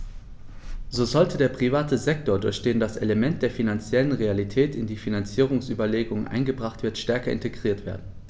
So sollte der private Sektor, durch den das Element der finanziellen Realität in die Finanzierungsüberlegungen eingebracht wird, stärker integriert werden.